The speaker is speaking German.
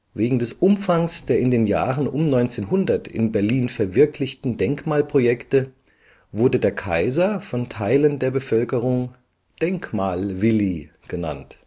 Wegen des Umfangs der in den Jahren um 1900 in Berlin verwirklichten Denkmalprojekte wurde der Kaiser von Teilen der Bevölkerung „ Denkmalwilly “genannt